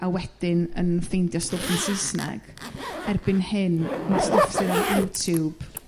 a wedyn yn ffeindio stwff yn Saesneg erbyn hyn ma'r stwff sydd ar youtube